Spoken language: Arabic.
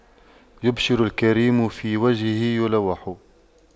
بِشْرُ الكريم في وجهه يلوح